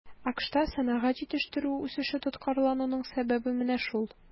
АКШта сәнәгать җитештерүе үсеше тоткарлануның сәбәбе менә шул.